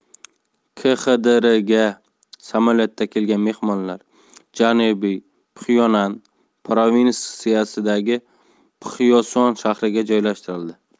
kxdrga samolyotda kelgan mehmonlar janubiy pxyonan provinsiyasidagi pxyoson shahriga joylashtiriladi